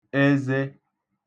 eze